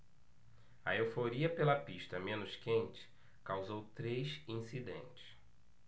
a euforia pela pista menos quente causou três incidentes